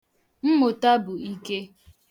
Mmụta bụ ike.